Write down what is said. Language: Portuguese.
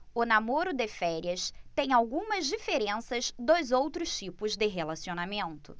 o namoro de férias tem algumas diferenças dos outros tipos de relacionamento